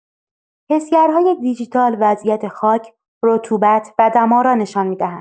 حسگرهای دیجیتال وضعیت خاک، رطوبت و دما را نشان می‌دهند.